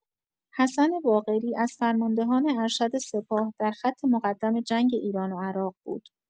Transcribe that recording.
حسن باقری، از فرماندهان ارشد سپاه در خط مقدم جنگ ایران و عراق بود.